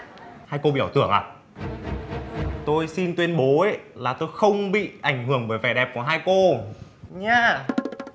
hai cô bị ảo tưởng à tôi xin tuyên bố ý là tôi không bị ảnh hưởng bởi vẻ đẹp của hai cô nhá